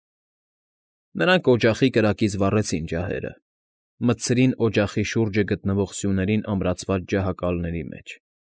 Նրանք օջախի կրակից վառեցին ջահերը, մտցրին օջախի շուրջը գտնվող սյուներին ամրացված ջահակալների մեջ։